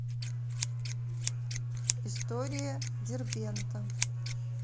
история дербента